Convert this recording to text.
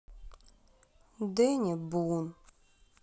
дэни бун